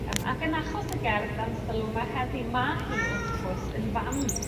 Yym ac yn achos y gerdd dan sylw 'ma heddi ma' hi wrth gwrs yn fam